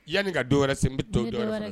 Yanni ka don wɛrɛ se, n bɛ to dɔ wɛrɛ fɛ